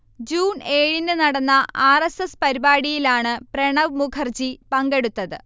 June ഏഴിന് നടന്ന R. S. S പരിപാടിയിലാണ് പ്രണബ് മുഖർജി പങ്കെടുത്തത്